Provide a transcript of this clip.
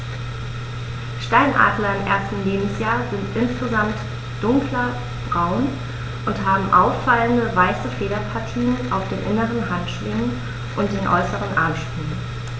Steinadler im ersten Lebensjahr sind insgesamt dunkler braun und haben auffallende, weiße Federpartien auf den inneren Handschwingen und den äußeren Armschwingen.